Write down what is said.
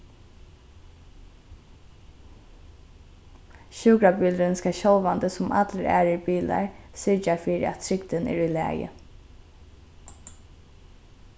sjúkrabilurin skal sjálvandi sum allir aðrir bilar syrgja fyri at trygdin er í lagi